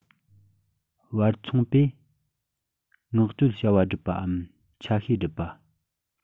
བར ཚོང པས མངགས བཅོལ བྱ བ བསྒྲུབས པའམ ཆ ཤས བསྒྲུབས པ